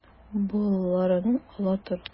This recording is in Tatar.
Боларын ала тор.